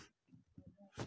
одинокий голубь